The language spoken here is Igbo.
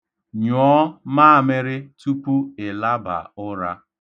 Nyụọ maamịrị tupu ị laba ụra.